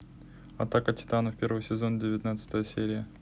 атака титанов первый сезон девятнадцатая серия